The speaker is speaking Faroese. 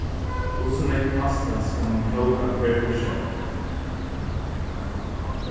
hvussu nógv pasta skal mann kóka per persón